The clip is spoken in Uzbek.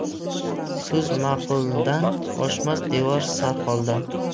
so'z ma'quldan oshmas devor sarxoldan